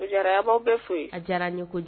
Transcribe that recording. Jara bɛ fo a diyara ni ko